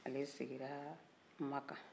ale sigira makan